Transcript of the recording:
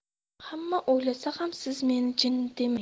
hamma o'ylasa ham siz meni jinni demang